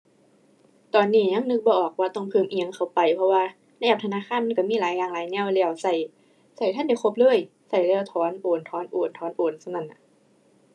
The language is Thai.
ตอนนี้ยังนึกบ่ออกว่าต้องเพิ่มอิหยังเข้าไป เพราะว่าในแอปธนาคารมันก็มีหลายอย่างหลายแนวแล้ว ก็ ก็ทันได้ครบเลย ใซ้แต่แนวถอน โอน ถอน โอน ถอน โอน ส่ำนั้นน่ะ